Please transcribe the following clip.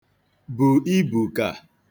bù ibù kà